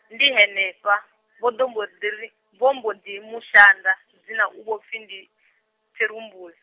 ndi henefha, vho ḓo mbo ḓi ri, vho mbo ḓi mushanda, dzina u kho pfi ndi, Tshirumbule.